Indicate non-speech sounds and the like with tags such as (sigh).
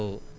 (hesitation) (hesitation)